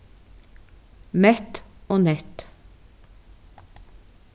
mett og nett